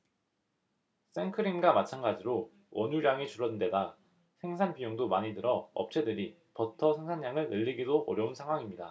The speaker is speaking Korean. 생크림과 마찬가지로 원유량이 줄어든데다 생산 비용도 많이 들어 업체들이 버터 생산량을 늘리기도 어려운 상황입니다